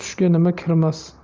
tushga nima kirmas